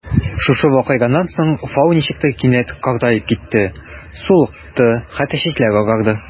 Шушы вакыйгадан соң Фау ничектер кинәт картаеп китте: сулыкты, хәтта чәчләре агарды.